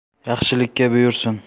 yaxshilikka buyursin